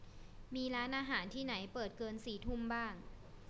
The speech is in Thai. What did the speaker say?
มีร้านอาหารที่ไหนเปิดเกินสี่ทุ่มบ้าง